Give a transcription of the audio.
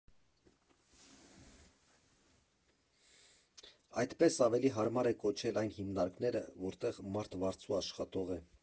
Այդպես ավելի հարմար է կոչել այն հիմնարկները, որտեղ մարդ վարձու աշխատող է։